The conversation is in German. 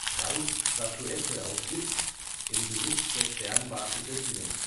Gauß-Statuette aus Gips, im Besitz der Sternwarte Göttingen